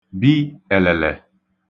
bi èlèlè